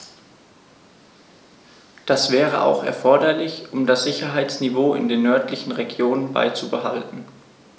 Das wäre auch erforderlich, um das Sicherheitsniveau in den nördlichen Regionen beizubehalten.